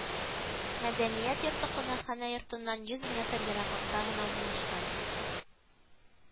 Мәдәният йорты кунакханә йортыннан йөз метр ераклыкта гына урнашкан